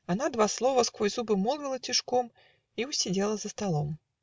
Она два слова Сквозь зубы молвила тишком И усидела за столом.